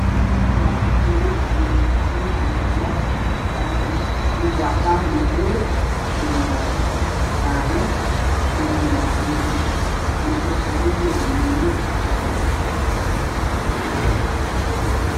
Waa barfunyo oo mel saran kujiro dhalo mid waa cadan madow io jale midna waa binki mesha ey saranyahin waa miis oo dhagax ah